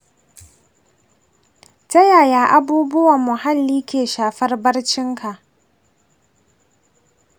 ta yaya abubuwan muhalli ke shafar barcinka?